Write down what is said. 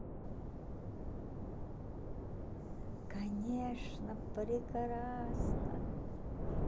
конечно прекрасно